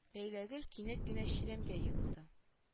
Ләйләгөл кинәт кенә чирәмгә егылды